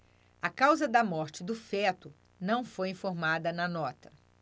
a causa da morte do feto não foi informada na nota